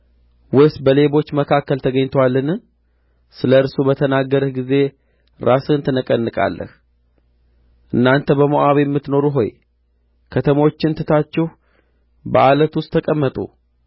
ወይስ በሌቦች መካከል ተገኝቶአልን ስለ እርሱ በተናገርህ ጊዜ ራስህን ትነቀንቃለህ እናንተ በሞዓብ የምትኖሩ ሆይ ከተሞችን ትታችሁ በዓለት ውስጥ ተቀመጡ